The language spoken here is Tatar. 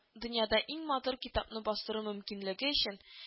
Дөньяда иң матур китапны бастыру мөмкинлеге өчен”